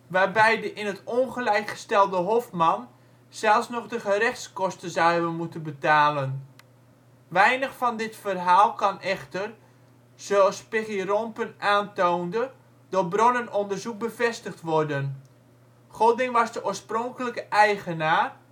waarbij de in het ongelijk gestelde Hoffmann zelfs nog de gerechtskosten zou hebben moeten betalen. Weinig van dit verhaal kan echter, zoals Peggy Rompen aantoonde, door bronnenonderzoek bevestigd worden: Godding was de oorspronkelijke eigenaar